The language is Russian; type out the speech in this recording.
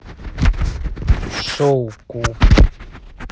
шоу куб